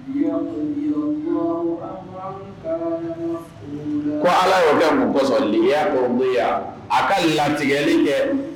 Ko ala y' kɛ mɔgɔsɔliya kɔrɔ bonyaya a ka latigɛli kɛ